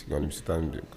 Sina tan de